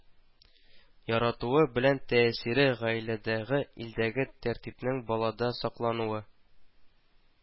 Яратуы белән тәэсире, гаиләдәге, илдәге тәртипнең балада саклануы